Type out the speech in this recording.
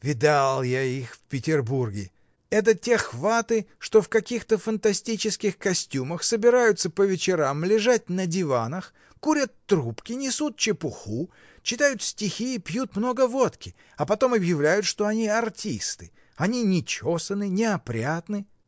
Видал я их в Петербурге: это те хваты, что в каких-то фантастических костюмах собираются по вечерам лежать на диванах, курят трубки, несут чепуху, читают стихи и пьют много водки, а потом объявляют, что они артисты. Они нечесаны, неопрятны.